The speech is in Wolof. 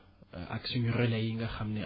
waaw ak suñu relais yi nga xam ne